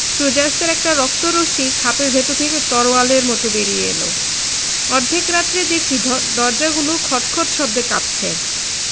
সূর্য্যাস্তের একটা রক্ত রশ্মি খাপের ভেতর থেকে তলোয়ারের মত বেরিয়ে এল অর্ধেক রাত্রে দেখি দরজাগুলো খটখট শব্দে কাঁপছে